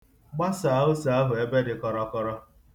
Gbasaa ose ahụ ebe dị kọrọkọrọ.